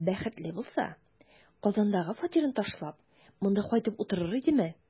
Бәхетле булса, Казандагы фатирын ташлап, монда кайтып утырыр идеме?